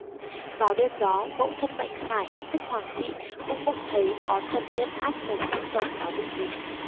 vào đêm đó mẫu thân mạnh khải tức hoàng thị cũng mộng thấy có thần nhân áp một con rồng vào bụng mình